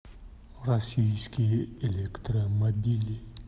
российские электромобили